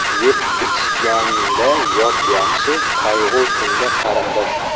yeb ichganda yot yaxshi qayg'u kunda qarindosh